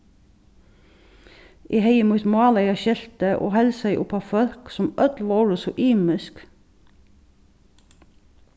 eg hevði mítt málaða skelti og heilsaði upp á fólk sum øll vóru so ymisk